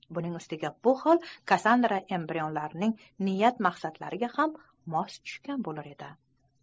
buning ustiga bu hol kassandra embrionlarning niyat maqsadlariga ham mos tushgan bo'lur edi